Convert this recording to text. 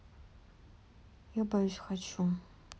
я боюсь хочу